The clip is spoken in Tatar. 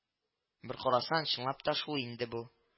Бер карасаң, чынлап та шул инде бу